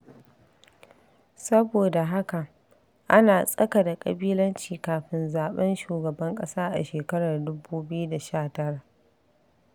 Saboda haka, ana tsaka da ƙabilanci kafin zaɓen shugaban ƙasa a shekarar 2019.